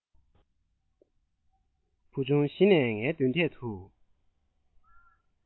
བུ ཆུང གཞི ནས ངའི མདུན ཐད དུ